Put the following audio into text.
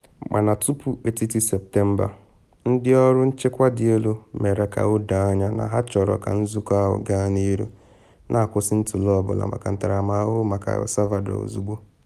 Mana tupu etiti-Septemba, ndị ọrụ nchịkwa dị elu mere ka o doo anya na ha chọrọ ka nzụkọ ahụ gaa n’ihu, na akwụsị ntụle ọ bụla maka ntaramahụhụ maka El Salvador ozugbo.